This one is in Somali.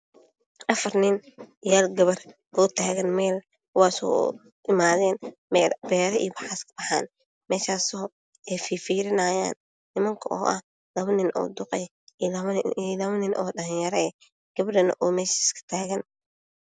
Afar nin iyo hal gabar oo meel taagan kuwaas oo imaaday meel beer ah wayna fiirfiirinaayaa. Waa labo nin oo duq ah iyo labo nin oo dhalinyaro ah gabadhana meeshay iska taagan tahay.